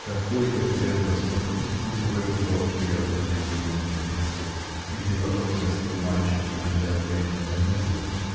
Какой эдем распахнулся ему в этом уголке, откуда его увезли в детстве и где потом он гостил мальчиком иногда, в летние каникулы.